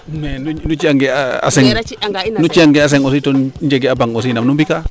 mais nu ciya nge a seng to nu njega a bang aussi nam nu mbi kaa